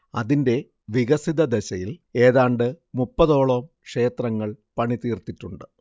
അതിന്റെ വികസിതദശയിൽ ഏതാണ്ട് മുപ്പതോളം ക്ഷേത്രങ്ങൾ പണിതീർത്തിട്ടുണ്ട്